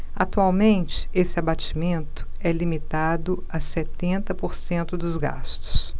atualmente esse abatimento é limitado a setenta por cento dos gastos